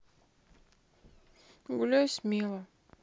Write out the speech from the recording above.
гуляй смело